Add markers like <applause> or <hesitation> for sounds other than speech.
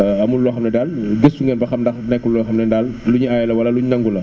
<hesitation> amul loo xam ne daal gëstu ngeen ba xam ndax nekkul loo xam ne daal lu ñuy aaye la wala luñ nangu la